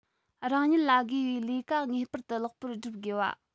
རང ཉིད ལ བགོས པའི ལས ཀ ངེས པར དུ ལེགས པོར བསྒྲུབ དགོས པ